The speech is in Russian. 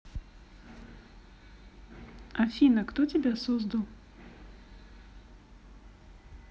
афина кто тебя создал